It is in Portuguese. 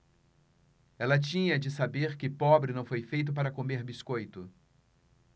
ela tinha de saber que pobre não foi feito para comer biscoito